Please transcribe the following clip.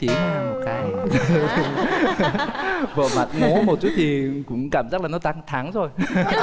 tiếng hàn một cái vợ mặt ngố một chút thì cũng cảm giác là nó đang thắng rồi